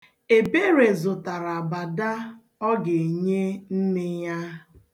Ebere zụtara abada ọ ga-enye nne ya.